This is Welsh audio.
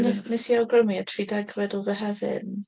Wne-, wnes i awgrymu y tri degfed o Fehefin.